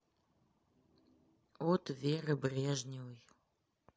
от веры брежневой